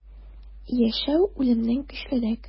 Яшәү үлемнән көчлерәк.